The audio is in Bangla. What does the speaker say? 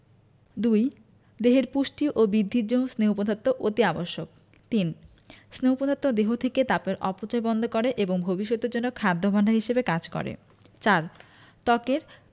২. দেহের পুষ্টি এবং বৃদ্ধির জন্য স্নেহ পদার্থ অতি আবশ্যক ৩. স্নেহ পদার্থ দেহ থেকে তাপের অপচয় বন্ধ করে এবং ভবিষ্যতের জন্য খাদ্য ভাণ্ডার হিসেবে কাজ করে ৪. ত্বকের